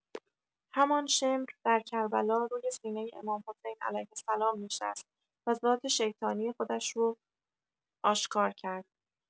همان شمر در کربلا روی سینه امام‌حسین علیه‌السلام نشست و ذات شیطانی خودش رو آشکار کرد.